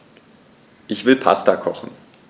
Ich will Pasta kochen.